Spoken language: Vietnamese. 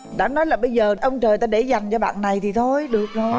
đã nói là bây giờ ông trời ta để dành cho bạn này thì thôi được rồi